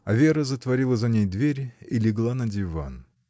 А Вера затворила за ней дверь и легла на диван.